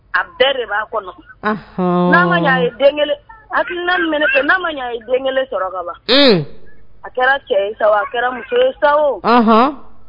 A bɛɛ de b'a kɔnɔ a kɛ n'a maa ye den sɔrɔ a kɛra cɛ sa a kɛra muso sa